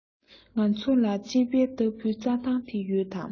ང ཚོ ལ དཔྱིད དཔལ ལྟ བུའི རྩ ཐང དེ ཡོད དམ